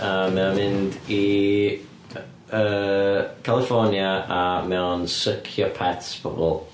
a mae o'n mynd i yy California a mae o'n sycio pets pobl.